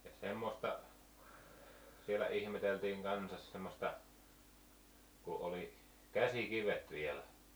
ja semmoista siellä ihmeteltiin kanssa semmoista kun oli käsikivet vielä